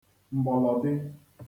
m̀gbọ̀lọ̀dị